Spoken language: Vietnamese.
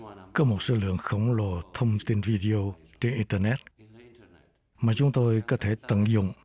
có một số lượng khổng lồ thông tin vi đi ô trên in tơ nét mà chúng tôi có thể tận dụng